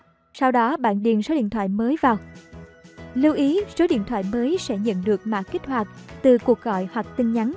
sau đó bạn điền số điện thoại mới vào ạ lưu ý số điện thoại mới sẽ nhận được mã kích hoạt từ cuộc gọi hoặc tin nhắn